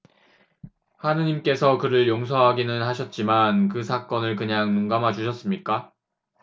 하느님께서 그를 용서하기는 하셨지만 그 사건을 그냥 눈감아 주셨습니까